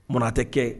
Mɔn tɛ kɛ